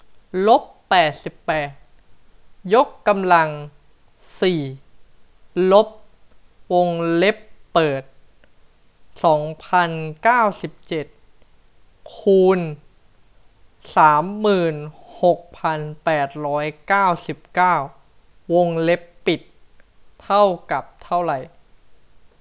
ลบแปดสิบแปดยกกำลังสี่ลบวงเล็บเปิดสองพันเก้าสิบเจ็ดคูณสามหมื่นหกพันแปดร้อยเก้าสิบเก้าวงเล็บปิดเท่ากับเท่าไร